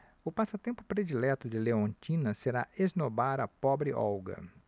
o passatempo predileto de leontina será esnobar a pobre olga